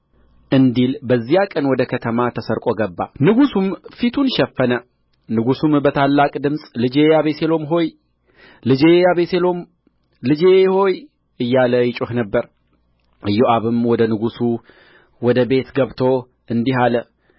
እንዲል በዚያ ቀን ወደ ከተማ ተሰርቆ ገባ ንጉሡም ፊቱን ሸፈነ ንጉሡም በታላቅ ድምፅ ልጄ አቤሴሎም ሆይ ልጄ አቤሴሎም ልጄ ሆይ እያለ ይጮኽ ነበር ኢዮአብም ወደ ንጉሡ ወደ ቤት ገብቶ እንዲህ አለ